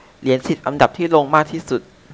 เหรียญสิบอันดับที่ลงมากที่สุด